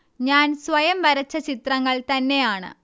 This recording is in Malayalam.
ഞാൻ സ്വയം വരച്ച ചിത്രങ്ങൾ തന്നെയാണ്